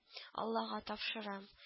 Аллага тапшырам